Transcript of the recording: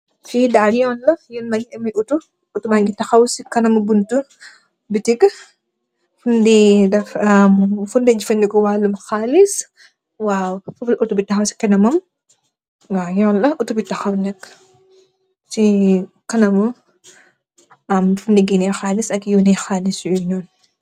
Fii daal yoon la, Yoon baa ngi am otto. Otto baa ngi taxaw si kanam i buntu bitik, fuñg de jëfëndeko waalum xaalis, Otto bi taxaw si kanamam, waaw, yoon la otto bi taxaw nak, si kanamam, fi ñuy yööne ak gëënëë xaalis yuy nöön.